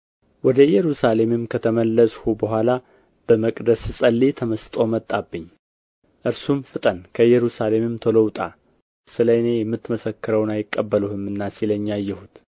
ወደ ኢየሩሳሌምም ከተመለሱ በኋላ በመቅደስ ስጸልይ ተመስጦ መጣብኝ እርሱም ፍጠን ከኢየሩሳሌምም ቶሎ ውጣ ስለ እኔ የምትመሰክረውን አይቀበሉህምና ሲለኝ አየሁት